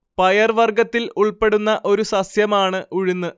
പയർ വർഗ്ഗത്തിൽ ഉൾപ്പെടുന്ന ഒരു സസ്യമാണ് ഉഴുന്ന്